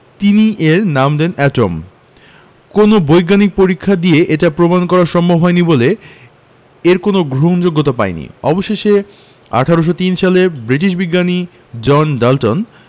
তিনি এর নাম দেন এটম কোনো বৈজ্ঞানিক পরীক্ষা দিয়ে এটি প্রমাণ করা সম্ভব হয়নি বলে এটি কোনো গ্রহণযোগ্যতা পায়নি অবশেষে ১৮০৩ সালে ব্রিটিশ বিজ্ঞানী জন ডাল্টন